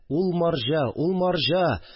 Ул марҗа, ул марҗа